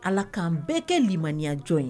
Ala k'an bɛɛ kɛ limaniyajɔn ye